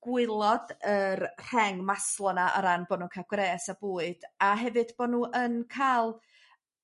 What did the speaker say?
gwaelod yr rheng Maslo 'na ar ran bo' nw'n ca'l gwres a bwyd a hefyd bo' nw yn ca'l